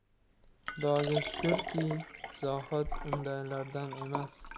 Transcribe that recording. xudoga shukrki zohid undaylardan emas